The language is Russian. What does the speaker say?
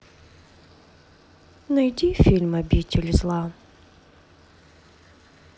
найди фильм обитель зла